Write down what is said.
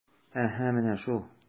Әһә, менә ул...